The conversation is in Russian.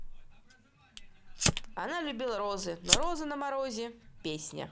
она любила розы но розы на морозе песня